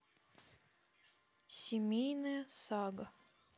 семейная сага